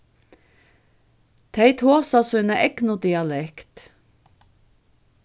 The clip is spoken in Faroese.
tey tosa sína egnu dialekt